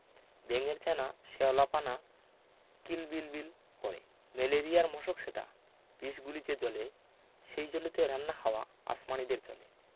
ব্যাঙের ছানা শ্যাওলা পানা কিল বিল বিল করে ম্যালেরিয়ার মশক সেথা বিষ গুলিছে জলে সেই জলেতে রান্না খাওয়া আসমানীদের চলে